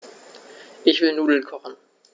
Ich will Nudeln kochen.